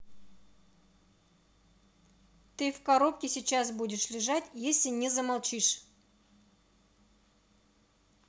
ты в коробке сейчас будешь лежать если не замолчишь